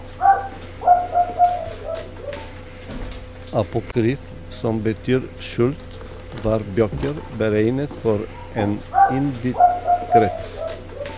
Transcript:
Apokryf, som betyr skjult, var bøker beregnet for en innvidd krets.